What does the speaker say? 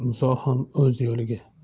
muso ham o'z yo'liga